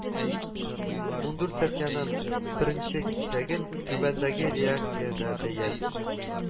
Ундүрт статьяның беренче кисәген түбәндәге редакциядә бәян